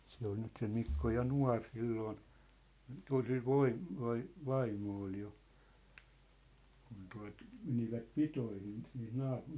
se oli nyt se Mikko ja nuori silloin kyllä sillä -- vaimo oli jo kun tuota menivät pitoihin siinä -